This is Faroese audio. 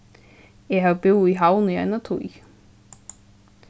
eg havi búð í havn eina tíð